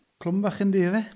clwm bach ynddi, efe?